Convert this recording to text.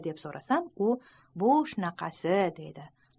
deb so'rasam u bu shunaqasi deydi